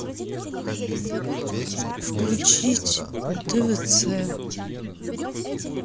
включить твц